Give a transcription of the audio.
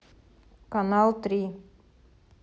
канал три